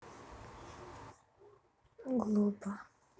глупо